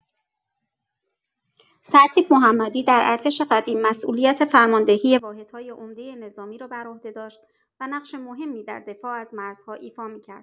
سرتیپ محمدی در ارتش قدیم مسئولیت فرماندهی واحدهای عمده نظامی را بر عهده داشت و نقش مهمی در دفاع از مرزها ایفا می‌کرد.